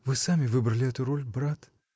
— Вы сами выбрали эту роль, брат.